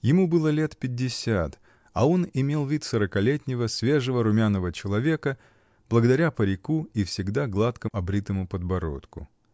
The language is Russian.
Ему было лет пятьдесят, а он имел вид сорокалетнего свежего, румяного человека благодаря парику и всегда гладко обритому подбородку.